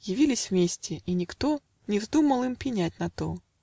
Явились вместе, и никто Не вздумал им пенять на то.